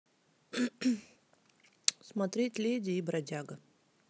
смотреть леди и бродяга